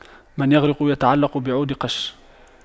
من يغرق يتعلق بعود قش